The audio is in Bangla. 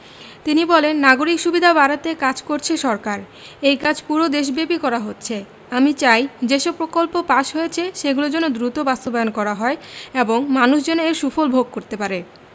তিনি বলেন নাগরিক সুবিধা বাড়াতে কাজ করছে সরকার এই কাজ পুরো দেশব্যাপী করা হচ্ছে আমি চাই যেসব প্রকল্প পাস হয়েছে সেগুলো যেন দ্রুত বাস্তবায়ন করা হয় এবং মানুষ যেন এর সুফল ভোগ করতে পারে